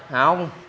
hông